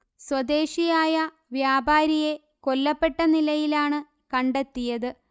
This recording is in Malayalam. സ്വദേശിയായ വ്യാപാരിയെ കൊല്ലപ്പെട്ടനിലയിലാണ് കണ്ടെത്തിയത്